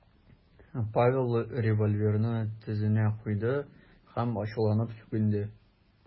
Павел револьверны тезенә куйды һәм ачуланып сүгенде .